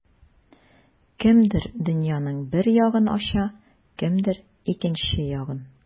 Кемдер дөньяның бер ягын ача, кемдер икенче ягын.